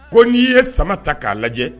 Ko n'i ye sama ta k'a lajɛ